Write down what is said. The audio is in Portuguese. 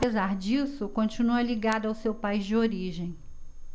apesar disso continua ligado ao seu país de origem